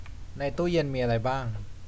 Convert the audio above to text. ในตู้เย็นมีอะไรบ้าง